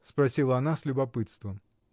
— спросила она с любопытством.